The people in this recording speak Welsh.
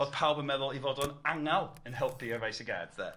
O'dd pawb yn meddwl 'i fod o'n angal yn helpu ar faes y gad de.